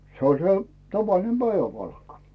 se oli se tavallinen päiväpalkka